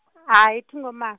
ha yi thi ngo mal-.